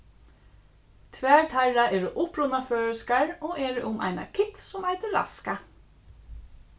tvær teirra eru upprunaføroyskar og eru um eina kúgv sum eitur raska